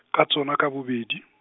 ka tsona ka bobedi.